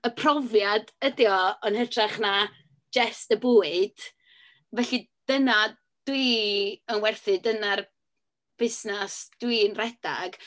Y profiad ydi o, yn hytrach na jyst y bwyd, felly dyna dwi yn werthu, dyna'r busnes dwi'n redeg.